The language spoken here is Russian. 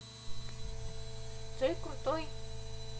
джой крутой